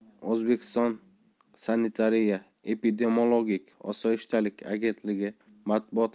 o'zbekiston sanitariya epidemiologik osoyishtalik agentligi matbuot